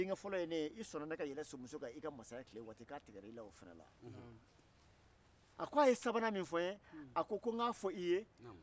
ko ehe ina wilila ka taa fɔ a fa ye ko dugu cɛkɔrɔba sabalilen in de ko ko a bɛ ne fɛ furula ne dun bɛ a fɛ dɛ